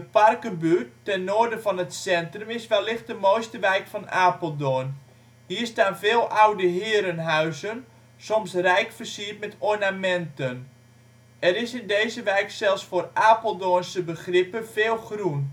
Parkenbuurt, ten noorden van het centrum, is wellicht de mooiste wijk van Apeldoorn. Hier staan veel oude herenhuizen, soms rijk versierd met ornamenten. Er is in deze wijk zelfs voor Apeldoornse begrippen veel groen